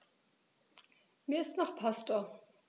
Mir ist nach Pasta.